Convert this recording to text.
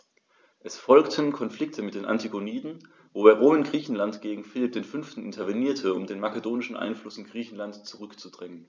Es folgten Konflikte mit den Antigoniden, wobei Rom in Griechenland gegen Philipp V. intervenierte, um den makedonischen Einfluss in Griechenland zurückzudrängen.